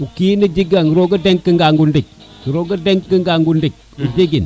o kina jegan roga denk angan o ɗik roga denk angan o ɗik o jegin